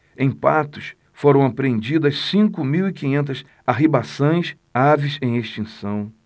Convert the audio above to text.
em patos foram apreendidas cinco mil e quinhentas arribaçãs aves em extinção